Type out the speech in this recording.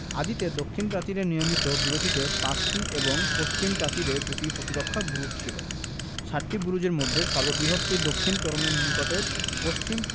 আদিতে দক্ষিণ প্রাচীরে নিয়মিত বিরতিতে পাঁচটি এবং পশ্চিম প্রাচীরে দুটি প্রতিরক্ষা বুরুজ ছিল সাতটি বুরুজের মধ্যে সর্ববৃহৎটি দক্ষিণ তোরণের নিকটে এর পশ্চিম